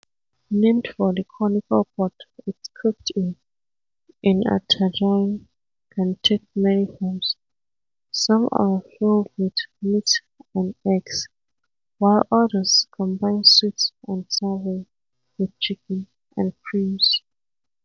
Named for the conical pot it's cooked in, a tajine can take many forms; some are filled with meat and eggs, while others combine sweet and savory with chicken and prunes.